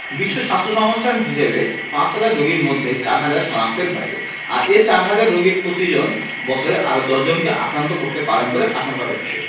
বিশ্ব স্বাস্থ্য সংস্থার হিসেবে পাঁচহাজার রোগীর মধ্যে চারহাজার শনাক্তের বাইরে আর এ চারহাজার রোগীর প্রতিজন বছরে আরও ১০ জনকে আক্রান্ত করতে পারেন বলে আশঙ্কা রয়েছে